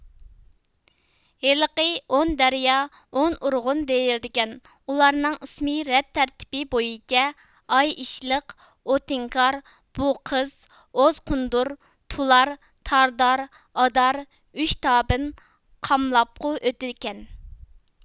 ھېلىقى ئون دەريا ئون ئۇرغۇن دېيىلىدىكەن ئۇلارنىڭ ئىسمى رەت تەرتىپى بويىچە ئايئىشلىق ئوتىنكار بۇقىز ئوزقوندۇر تۇلار تاردار ئادار ئۈچ تابىن قاملابقۇ ئۆتىكەن